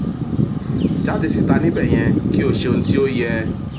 Jáde síta níbẹ̀yẹn kí o ṣe ohun tí ó yẹ